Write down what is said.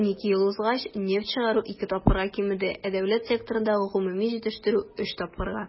12 ел узгач нефть чыгару ике тапкырга кимеде, ә дәүләт секторындагы гомуми җитештерү - өч тапкырга.